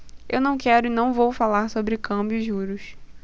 eu não quero e não vou falar sobre câmbio e juros